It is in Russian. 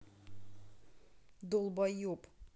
долбаеб